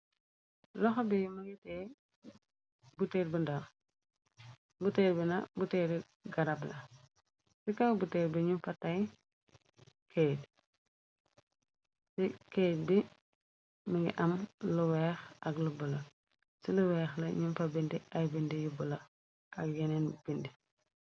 loxo bi bu teer bi na buteeri garab la ri kaw bu teer bi nu fa tay ci keyt bi mi ngi am lu weex ak lub la ci luweex la ñu fa bindi ay bindi yu bula ak yeneen bindi